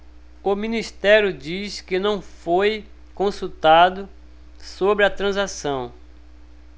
o ministério diz que não foi consultado sobre a transação